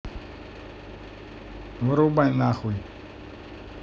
вырубай нахуй